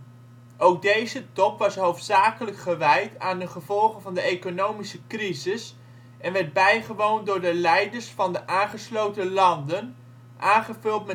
deze top was hoofdzakelijk gewijd aan de gevolgen van de economische crisis en werd bijgewoond door de leiders van de aangesloten landen, aangevuld